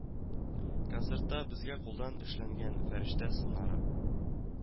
Концертта безгә кулдан эшләнгән фәрештә сыннары